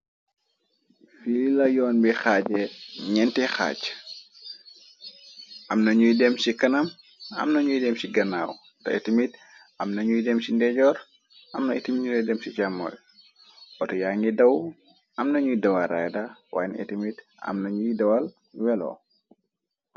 filila yoon bi xaaje ñenti xaaj amna ñuy dem ci kanam amnañuy dem ci ganaaw té iti mit amnañuy dem ci ndeejoor amna itimit ñulu dem ci càmmooy watu ya ngi daw amnañuy dawa rayra wayn iti mit amnañuy dawal weloo